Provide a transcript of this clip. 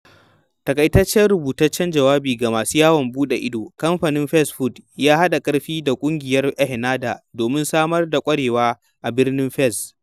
(Taƙaitaccen rubutaccen jawabi ga masu yawon buɗe ido: Kamfanin Fez Food ya haɗa ƙarfi da Ƙungiyar ENNAHDA domin samar da ƙwarewar a birnin Fez).